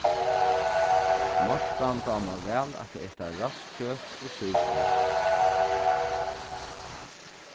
mortan dámar væl at eta ræst kjøt og súpan